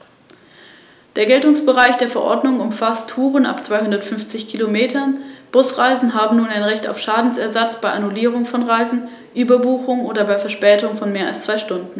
Angesichts der Herausforderung der Globalisierung und der Osterweiterung bedarf Europa meines Erachtens in den nächsten Jahren für die Programmplanung und die Wiederankurbelung seiner Wirtschaft mehr denn je angemessener und exakter Vorgaben.